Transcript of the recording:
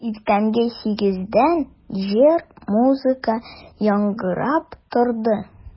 Иртәнге сигездән җыр, музыка яңгырап торды.